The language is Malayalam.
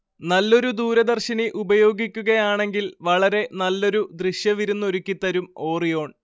നല്ലൊരു ദൂരദർശിനി ഉപയോഗിക്കുകയാണെങ്കിൽ വളരെ നല്ലൊരു ദൃശ്യവിരുന്നൊരുക്കിത്തരും ഓറിയോൺ